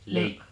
no